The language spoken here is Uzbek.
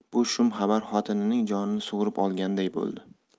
bu shum xabar xotinining jonini sug'urib olganday bo'ldi